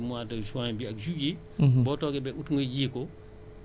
parce que bu ñu nee gerte war nañ koo ji ci moment de juin bi ak juillet